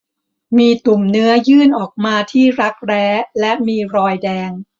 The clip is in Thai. มีตุ่มเนื้อยื่นออกมาที่รักแร้และมีรอยแดง